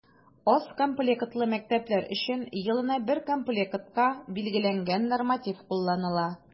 Аз комплектлы мәктәпләр өчен елына бер комплектка билгеләнгән норматив кулланыла.